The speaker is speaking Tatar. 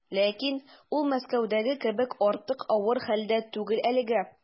Ләкин ул Мәскәүдәге кебек артык авыр хәлдә түгел әлегә.